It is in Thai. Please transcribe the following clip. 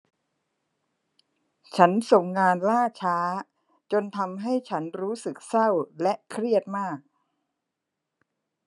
ฉันส่งงานล่าช้าจนทำให้ฉันรู้สึกเศร้าและเครียดมาก